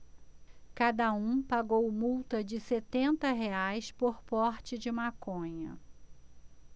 cada um pagou multa de setenta reais por porte de maconha